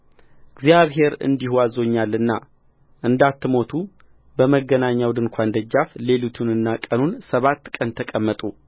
እግዚአብሔር እንዲሁ አዝዞኛልና እንዳትሞቱ በመገናኛው ድንኳን ደጃፍ ሌሊቱንና ቀኑን ሰባት ቀን ተቀመጡ